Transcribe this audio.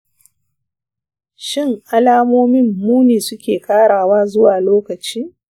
shin alamomin muni suke ƙarawa zuwa lokaci?